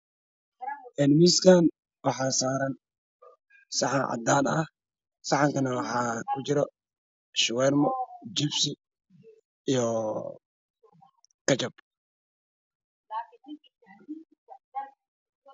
Miiskaan waxa saaran saxan cadaan saxanka waxa ku jir shuwaarmo jibsi iyo jakab